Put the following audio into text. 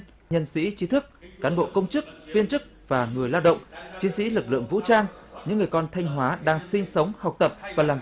nhân sĩ trí thức cán bộ công chức viên chức và người lao động chiến sĩ lực lượng vũ trang những người con thanh hóa đang sinh sống học tập và làm